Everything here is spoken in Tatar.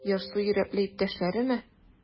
Ярсу йөрәкле иптәшләреме?